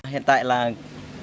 hiện tại là